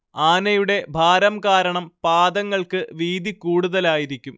ആനയുടെ ഭാരം കാരണം പാദങ്ങൾക്ക് വീതി കൂടുതലായിരിക്കും